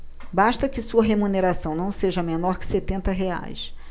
basta que sua remuneração não seja menor que setenta reais